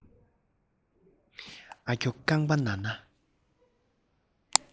ཨ སྐྱོ རྐང པ ན ན